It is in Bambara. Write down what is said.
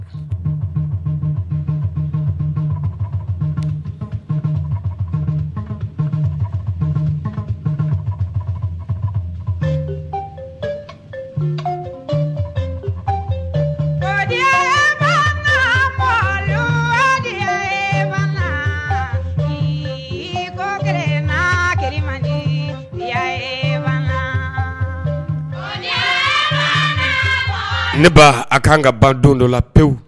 Jɔn mɔla yo fakɔ kelennakibadenya wa jɔnya ne ba a kan ka ba don dɔ la pewu